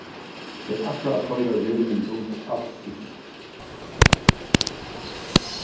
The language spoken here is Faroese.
tey ætla at koyra vegin runt alt ísland